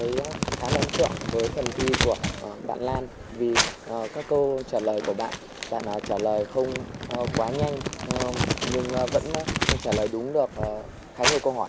thấy khá là ấn tượng với phần thi của bạn lan vì à các câu trả lời của bạn bạn đã trả lời không quá nhanh nhưng nhưng vẫn trả lời đúng được khá nhiều câu hỏi